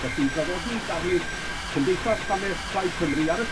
Felly i draddodi darlith Cymdeithas Hanes Plaid Cymru ar y